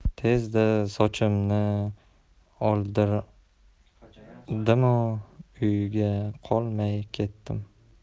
tezda sochimni oldirdimu uyda qolmay ketdim